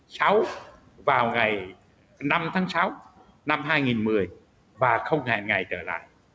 sáu vào ngày năm tháng sáu năm hai nghìn mười và không hẹn ngày trở lại